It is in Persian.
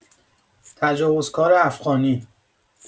تجاوزکار افغانی